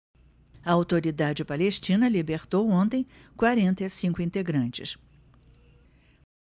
a autoridade palestina libertou ontem quarenta e cinco integrantes